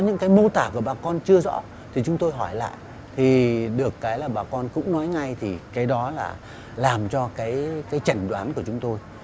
những cái mô tả của bà con chưa rõ thì chúng tôi hỏi lại thì được cái là bà con cũng nói ngay thì cái đó là làm cho cái cái chẩn đoán của chúng tôi